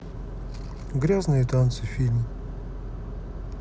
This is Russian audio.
грязные танцы фильм